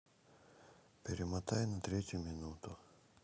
перемотай на третью минуту